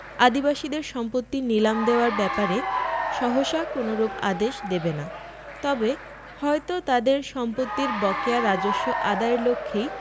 আদিবাসীদের সম্পত্তি নীলাম দেয়ার ব্যাপারে সহসা কোনরূপ আদেশ দেবেনা তবে হয়ত তাদের সম্পত্তির বকেয়া রাজস্ব আদায়ের লক্ষেই